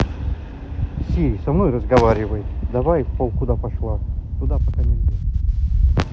сири со мной разговаривает давай пол куда пошла туда пока нельзя